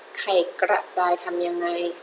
ไข่กระจายทำยังไง